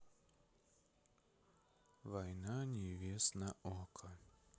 война невест на окко